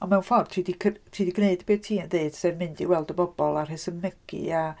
Ond mewn ffordd ti 'di cy- ti 'di gwneud be ti'n deud sef mynd i weld y bobl a rhesymegi a...